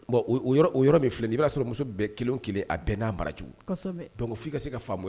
Bon yɔrɔ min filɛ i b'a sɔrɔ muso bɛɛ kelen kelen a bɛn n'a bara cogo dɔnkuke k f'i ka se ka faamu ye